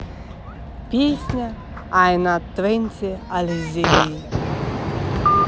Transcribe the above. песня i'm not twenty alizée